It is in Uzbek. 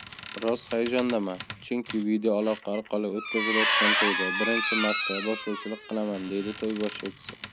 biroz hayajondaman chunki videoaloqa orqali o'tkazilayotgan to'yda birinchi marta boshlovchilik qilaman deydi to'y boshlovchisi